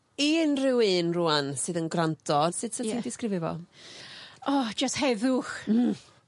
I unryw un rŵan sydd yn gwranto sut 'sa ti'n... Ie. ...disgrifio fo? O, jys heddwch. Hmm.